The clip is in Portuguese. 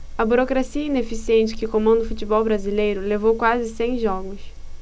a burocracia ineficiente que comanda o futebol brasileiro levou quase cem jogos